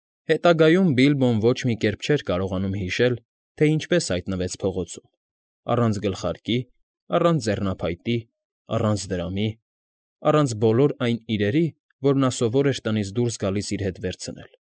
Հետագայում Բիլբոն ոչ մի կերպ չէր կարողանում հիշել, թե ինչպես հայտնվեց փողոցում՝ առանց գլխարկի, առանց ձեռնափայտի, առանց դրամի, առանց բոլոր այն իրերի, որ նա սովոր էր տնից դուրս գալիս իր հետ վերցնել։